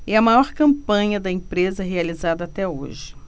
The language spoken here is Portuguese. é a maior campanha da empresa realizada até hoje